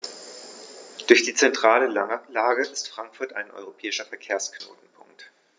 Durch die zentrale Lage ist Frankfurt ein europäischer Verkehrsknotenpunkt.